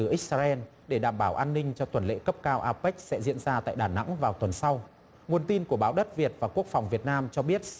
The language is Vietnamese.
từ x sa len để đảm bảo an ninh cho tuần lễ cấp cao a pếch sẽ diễn ra tại đà nẵng vào tuần sau nguồn tin của báo đất việt và quốc phòng việt nam cho biết